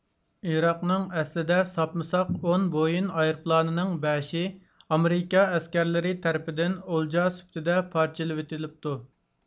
ئىراقنىڭ ئەسلىدە ساپمۇساق ئون بوئېڭ ئايروپىلانىنىڭ بەشى ئامېرىكا ئەسكەرلىرى تەرىپىدىن ئولجا سۈپىتىدە پارچىلىۋېتىلىپتۇ